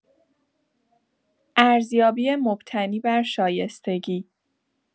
ارزیابی مبتنی بر شایستگی